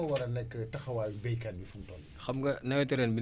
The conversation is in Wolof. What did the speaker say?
xam nga nawetu ren bi nim tëddee béykat dañ leen di xaaj si ñaar